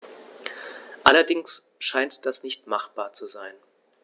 Allerdings scheint das nicht machbar zu sein.